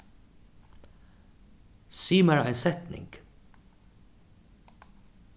sig mær ein setning